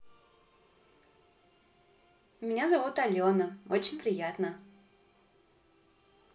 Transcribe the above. меня зовут алена очень приятно